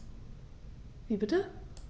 Wie bitte?